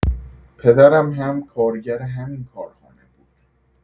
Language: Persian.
پدرم هم کارگر همین کارخانه بود.